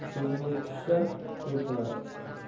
ko'zingga tushsa ko'r qilar